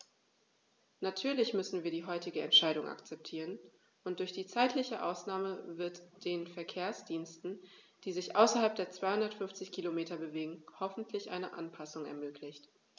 Natürlich müssen wir die heutige Entscheidung akzeptieren, und durch die zeitliche Ausnahme wird den Verkehrsdiensten, die sich außerhalb der 250 Kilometer bewegen, hoffentlich eine Anpassung ermöglicht.